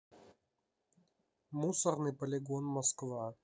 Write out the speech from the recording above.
мусорный полигон москва